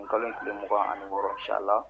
Kalo tile mugan ani wɔɔrɔ si la